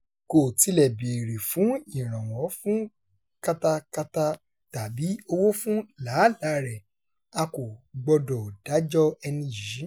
Kò tilẹ̀ béèrè fún ìrànwọ́ fún katakata tàbí owó fún làálàáa rẹ̀. A kò gbọdọ̀ dájọ́ ẹni yìí.